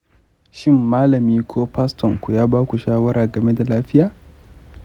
shin malami ko faston ku ya baku shawara game da lafiya?